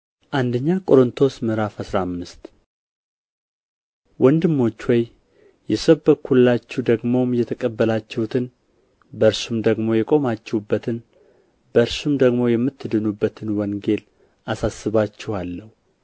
አንደኛ ቆሮንጦስ ምዕራፍ አስራ አምስት ወንድሞች ሆይ የሰበክሁላችሁን ደግሞም የተቀበላችሁትን በእርሱም ደግሞ የቆማችሁበትን በእርሱም ደግሞ የምትድኑበትን ወንጌል አሳስባችኋለሁ